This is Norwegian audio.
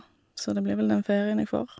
Så det blir vel den ferien jeg får.